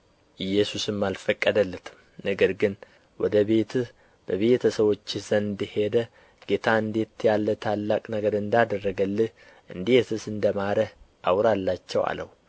ኢየሱስም አልፈቀደለትም ነገር ግን ወደ ቤትህ በቤተ ሰዎችህ ዘንድ ሄደህ ጌታ እንዴት ያለ ታላቅ ነገር እንዳደረገልህ እንዴትስ እንደ ማረህ አውራላቸው አለው